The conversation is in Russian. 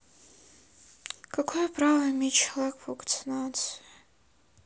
какое право имеет человек по вакцинации